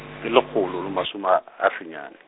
ke lekgolo le masome a, a senyane.